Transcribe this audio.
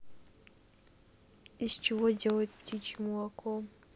из чего делают птичье молоко